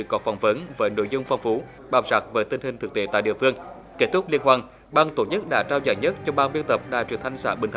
có phỏng vấn về nội dung phong phú bám sát với tình hình thực tế tại địa phương kết thúc liên hoan ban tổ chức đã trao giải nhất trong ban biên tập đài truyền thanh xã bình